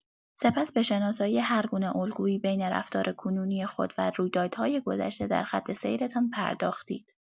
سپس به شناسایی هرگونه الگویی بین رفتار کنونی خود و رویدادهای گذشته در خط سیرتان پرداختید.